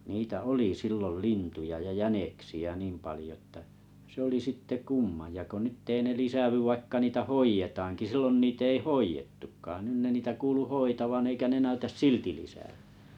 niitä oli silloin lintuja ja jäniksiä niin paljon että se oli sitten kumma ja kun nyt ei ne lisäänny vaikka niitä hoidetaankin silloin niitä ei hoidettukaan nyt ne niitä kuului hoitavan eikä ne näytä silti lisääntyvän